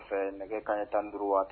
Nɛgɛ ka ye tan duuru waati